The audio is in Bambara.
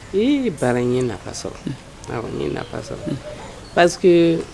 I baara ɲɛ nafa sɔrɔ ɲɛ nafa sɔrɔ parce